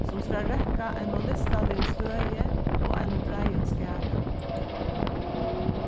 sum skal røkka einum listaligum støði og einum breiðum skara